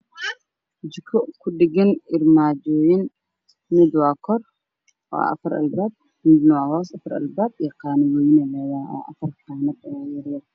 Jiko ku dhagan armaajooyin mid waa kor waa afar albaab midna waa hoos afar albaab iyo qaanadooyin ay leedahay oo afar qaanad oo yaryar